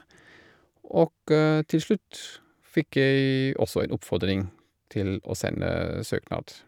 Og til slutt fikk jeg også en oppfordring til å sende søknad.